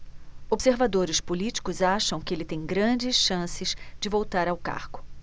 observadores políticos acham que ele tem grandes chances de voltar ao cargo